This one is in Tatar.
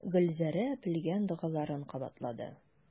Гөлзәрә белгән догаларын кабатлады.